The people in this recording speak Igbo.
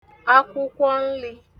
akwụkwọ nlī